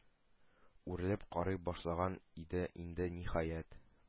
Үрелеп карый башлаган иде инде, ниһаять,